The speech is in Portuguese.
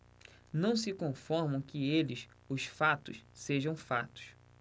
não se conformam que eles os fatos sejam fatos